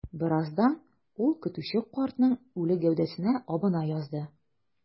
Бераздан ул көтүче картның үле гәүдәсенә абына язды.